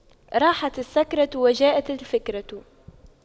راحت السكرة وجاءت الفكرة